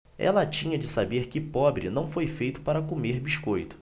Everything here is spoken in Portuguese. ela tinha de saber que pobre não foi feito para comer biscoito